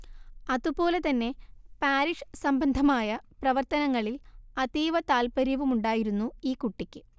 അതുപോലെ തന്നെ പാരിഷ് സംബന്ധമായ പ്രവർത്തനങ്ങളിൽ അതീവ താൽപര്യവുമുണ്ടായിരുന്നു ഈ കുട്ടിക്ക്